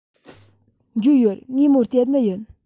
འབྱོར ཡོད ངས མོར སྟེར ནི ཡིན